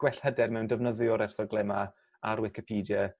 gwell hyder mewn defnyddio'r erthygle 'ma ar wicipedie